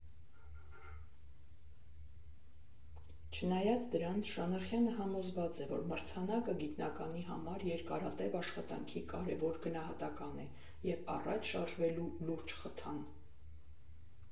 Չնայած դրան, Շանախյանը համոզված է, որ մրցանակը գիտնականի համար երկարատև աշխատանքի կարևոր գնահատական է և առաջ շարժվելու լուրջ խթան։